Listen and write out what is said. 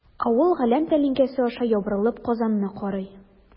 Авыл галәм тәлинкәсе аша ябырылып Казанны карый.